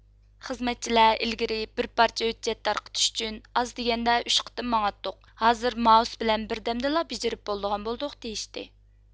خىزمەتچىلەر ئىلگىرى بىر پارچە ھۆججەت تارقىتىش ئۈچۈن ئاز دېگەندە ئۈچ قېتىم ماڭاتتۇق ھازىر مائۇس بىلەن بىردەمدىلا بېجىرىپ بولىدىغان بولدۇق دېيىشتى